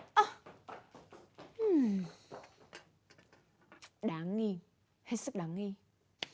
ơ ừm đáng nghi hết sức đáng nghi